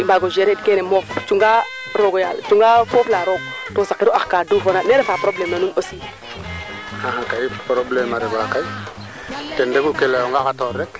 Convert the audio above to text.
i ten im leyang kam leyong mee e o geldala wuqanam wuqood moƴu yaam simto wuuq o wuqana xooxof moƴu teelo inu